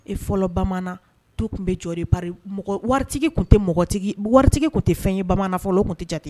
E fɔlɔ bamaana du kun be jɔ de pari mɔgɔ waritigi kun te mɔgɔ tigi waritigi kun te fɛn ye bamaana fɔlo o kun te jate